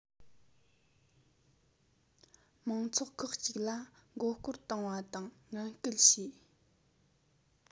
མང ཚོགས ཁག གཅིག ལ མགོ སྐོར བཏང བ དང ངན སྐུལ བྱས